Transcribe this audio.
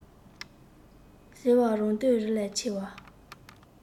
ཟེར བ རང འདོད རི ལས ཆེ བ